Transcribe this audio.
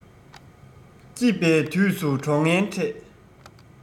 སྐྱིད པའི དུས སུ གྲོགས ངན འཕྲད